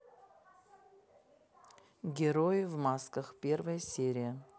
герои в масках первая серия